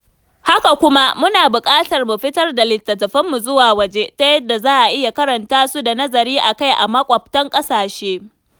Haka kuma, muna buƙatar mu fitar da littattafanmu zuwa waje, ta yadda za a iya karanta su da nazari a kai a maƙwabtan ƙasashe.